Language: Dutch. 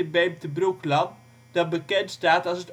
Beemte-Broekland dat bekendstaat als